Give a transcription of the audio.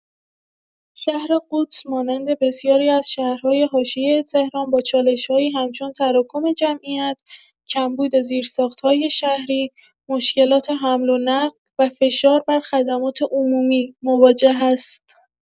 شهر قدس مانند بسیاری از شهرهای حاشیه تهران با چالش‌هایی همچون تراکم جمعیت، کمبود زیرساخت‌های شهری، مشکلات حمل‌ونقل و فشار بر خدمات عمومی مواجه است.